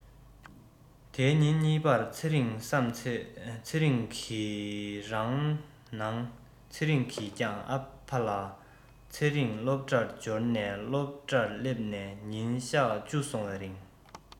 དེའི ཉིན གཉིས པར ཚེ རིང བསམ ཚེ རང གི སེམས ནང ཚེ རིང གིས ཀྱང ཨ ཕ ལ ཚེ རིང སློབ གྲྭར འབྱོར ནས སློབ གྲྭར སླེབས ནས ཉིན གཞག བཅུ སོང བའི རིང